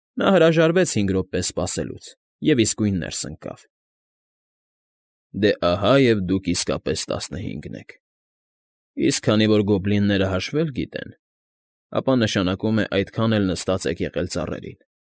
Նա հրաժարվեց հինգ րոպե սպասելուց և իսկույն նրես ընկավ։ ֊ Դե ահա և դուք իսկապես տասնհինգն եք, իսկ քանի որ գոբլինները հաշվել գիտեն, ապա նշանակում է այդքան էլ նստած եք եղել ծառերին։